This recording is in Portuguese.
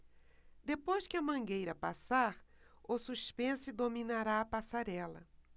depois que a mangueira passar o suspense dominará a passarela